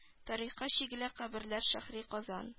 Тарихка чигелә каберләр шәһри казан